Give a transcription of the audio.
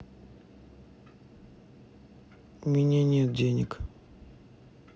у меня нет денег